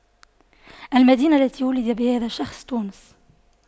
المدينة التي ولد بها هذا الشخص تونس